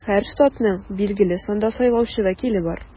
Һәр штатның билгеле санда сайлаучы вәкиле бар.